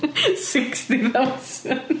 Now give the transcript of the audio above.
Sixty thousand.